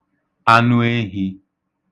anụehī